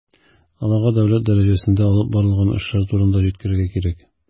Аларга дәүләт дәрәҗәсендә алып барылган эшләр турында җиткерергә кирәк.